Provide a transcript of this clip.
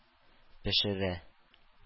Пешерә